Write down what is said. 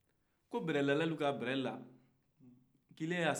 inaudible